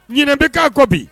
Ɲin bɛ kan kɔ bi